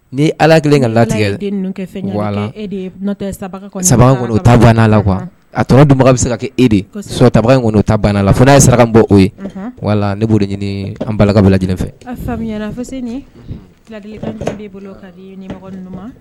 Ni ala kelen ka latigɛ ta banna la a tora dunba bɛ se ka kɛ e de sota in ta banna la fo ye saraka bɔko ye wala ne b' ɲini an balabila lajɛlen fɛ